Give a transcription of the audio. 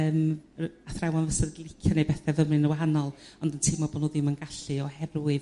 yrm r- athrawon fysa 'di licio neu' bethe fymryn yn wahanol ond yn t'imlo bo' nhw ddim yn gallu oherwydd